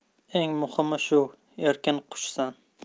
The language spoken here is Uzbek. eng muximi shu erkin qushsan